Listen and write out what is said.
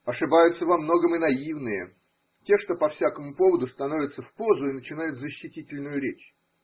Ошибаются во многом и наивные – те, что по всякому поводу становятся в позу и начинают защитительную речь.